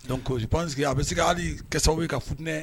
Donsi pansigi a bɛ se ali kɛ sababu ye ka fu funinɛ